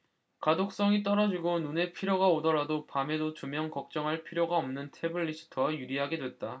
가독성이 떨어지고 눈의 피로가 오더라도 밤에도 조명 걱정할 필요가 없는 태블릿이 더 유리하게 됐다